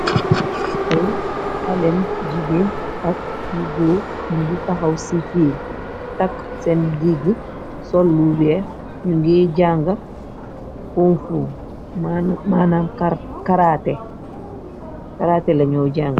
Ay hale jigéen ak yi góor. Nyu ngi taxaw ci fiil takk seen digg sollu weex. Nyu ngi jànga konfu manam karaate lañoo jàng.